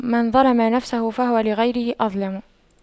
من ظَلَمَ نفسه فهو لغيره أظلم